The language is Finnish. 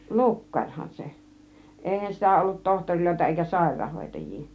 lukkarihan se eihän sitä ollut tohtoreita eikä sairaanhoitajia